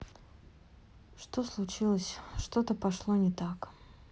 что случилось что то пошло не так